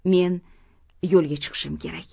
men yo'lga chiqishim kerak